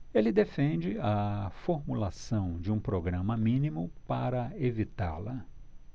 ele defende a formulação de um programa mínimo para evitá-la